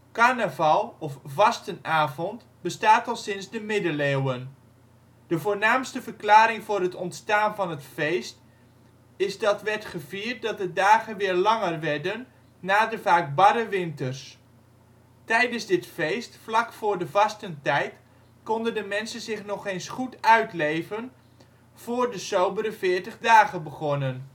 Carnaval, of " vastenavond ", bestaat al sinds de Middeleeuwen. De voornaamste verklaring voor het ontstaan van het feest is dat werd gevierd dat de dagen weer langer werden na de vaak barre winters. Tijdens dit feest vlak voor de Vastentijd konden de mensen zich nog eens goed uitleven voor de sobere veertig dagen begonnen